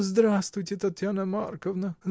Здравствуйте, Татьяна Марковна!